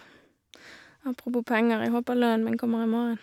Apropos penger, jeg håper lønnen min kommer i morgen.